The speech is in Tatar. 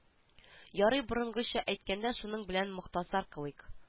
Ярый борынгыча әйткәндә шуның белән мохтасар кылыйк